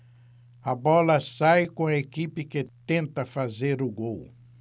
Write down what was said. a bola sai com a equipe que tenta fazer o gol